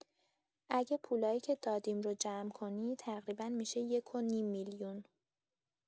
اگه پولایی که دادیم رو جمع کنی، تقریبا می‌شه یک و نیم میلیون.